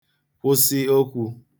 kwụsị okwū